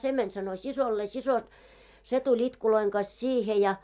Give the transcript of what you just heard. se meni sanoi siskolleen sisko se tuli itkujen kanssa siihen ja